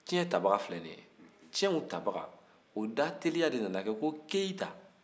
cɛn tabaga filɛ nin ye cɛnw tabaga o datelinya de nana kɛ ko keyita